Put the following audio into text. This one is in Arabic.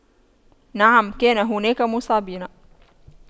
نعم كان هناك مصابين